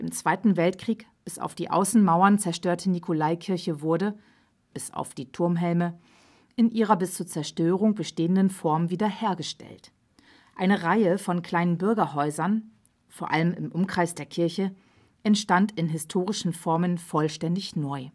Zweiten Weltkrieg bis auf die Außenmauern zerstörte Nikolaikirche wurde, bis auf die Turmhelme, in ihrer bis zur Zerstörung bestehenden Form wiederhergestellt. Eine Reihe von kleinen Bürgerhäusern, vor allem im Umkreis der Kirche, entstand in historischen Formen vollständig neu